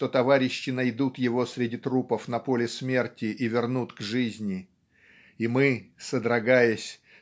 что товарищи найдут его среди трупов на поле смерти и вернут к жизни. И мы содрогаясь